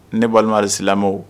Ne balimarisi